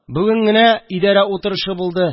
Бүген генә идәрә утырышы булды